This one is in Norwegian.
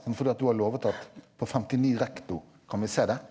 sånn fordi at du har lovet at på 59 , kan vi se det?